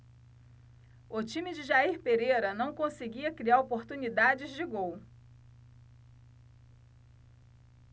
o time de jair pereira não conseguia criar oportunidades de gol